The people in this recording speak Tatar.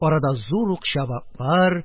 Арада зур ук чабаклар,